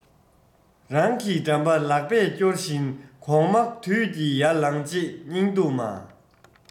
རང གི འགྲམ པ ལག པས སྐྱོར བཞིན གོག མ དུད ཀྱིས ཡར ལངས རྗེས སྙིང སྡུག མ